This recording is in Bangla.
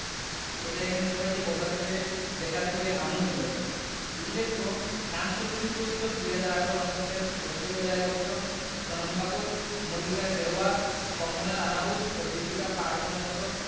এটা এখানে সবাইকে বোঝাতে পেরে দেখাতে পেরে আনন্দিত উল্লেখ্য কান চলচ্চিত্র উৎসব ২০১৮ মাতাচ্ছেন ঐশ্বরিয়া রাই বচ্চন সোনম কাপুর মল্লিকা শেরওয়াত কঙ্গনা রানাউত ও দীপিকা পাড়–কোনের মতো